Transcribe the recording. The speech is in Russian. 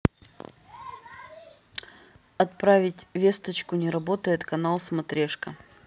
отправить весточку не работает канал смотрешка